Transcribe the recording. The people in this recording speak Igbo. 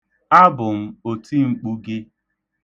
Abụ m otimkpu gị.